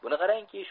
buni qarangki